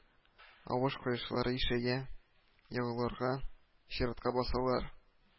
Авыш-кыешлары ишәя – егылырга чиратка басалар